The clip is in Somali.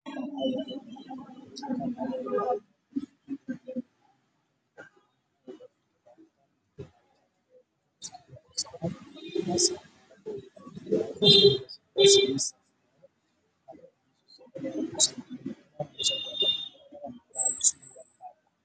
Waa kursi madow biyo iyo cunto